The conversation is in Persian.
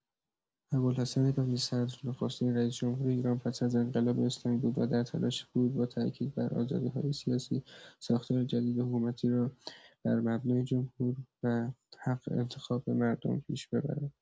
ابوالحسن بنی‌صدر نخستین رئیس‌جمهور ایران پس از انقلاب اسلامی بود و در تلاش بود با تأکید بر آزادی‌های سیاسی، ساختار جدید حکومتی را بر مبنای جمهور و حق انتخاب مردم پیش ببرد.